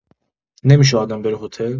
نمی‌شه آدم بره هتل؟